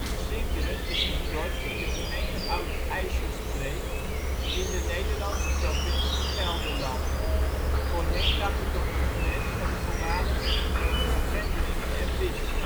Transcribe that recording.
Sinderen is een dorp in de gemeente Oude IJsselstreek in de Nederlandse provincie Gelderland. Voorheen lag het op de grens van de voormalige gemeenten Gendringen en Wisch